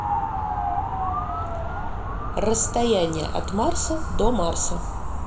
расстояние от марса до марса